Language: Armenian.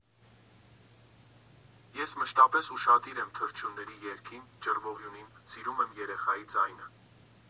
Ես մշտապես ուշադիր եմ թռչյունների երգին, ճռվողյունին, սիրում եմ երեխայի ձայնը։